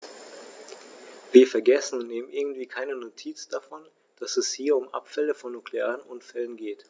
Wir vergessen, und nehmen irgendwie keine Notiz davon, dass es hier um Abfälle von nuklearen Unfällen geht.